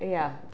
Ia.